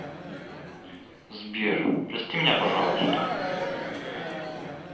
сбер прости меня пожалуйста